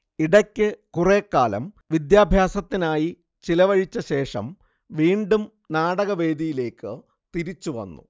ഇടയ്ക്ക് കുറേക്കാലം വിദ്യാഭ്യാസത്തിനായി ചിലവഴിച്ചശേഷം വീണ്ടും നാടകവേദിയിലേക്ക് തിരിച്ചുവന്നു